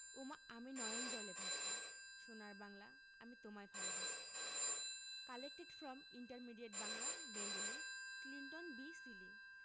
ওমা আমি নয়ন জলে ভাসি সোনার বাংলা আমি তোমায় ভালবাসি collected from intermediate Bangla Bengali Clinton B Seely